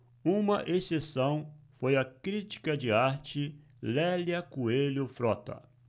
uma exceção foi a crítica de arte lélia coelho frota